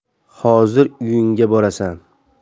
hozir uyingga borasan